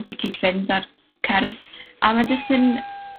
i cyd-fynd â'r cerdd, a ma' jys yn